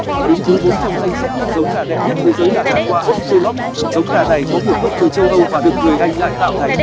đứng thứ trong danh sách các giống gà đẹp nhất thế giới là gà quạ australorp giống gà này có nguồn gốc từ châu âu và được người anh lại tạo thành